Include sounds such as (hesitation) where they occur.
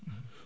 (hesitation) (hesitation)